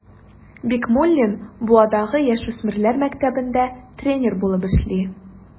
Бикмуллин Буадагы яшүсмерләр мәктәбендә тренер булып эшли.